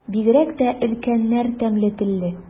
Бигрәк тә өлкәннәр тәмле телле.